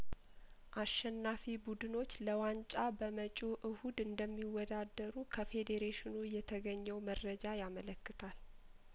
አሸናፊ ቡድኖች ለዋንጫ በመጪው እሁድ እንደሚወዳደሩ ከፌዴሬሽኑ የተገኘው መረጃ ያመለክታል